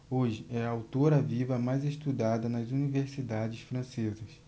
hoje é a autora viva mais estudada nas universidades francesas